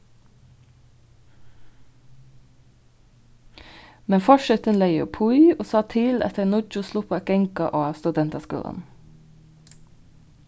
men forsetin legði uppí og sá til at tey níggju sluppu at ganga á studentaskúlanum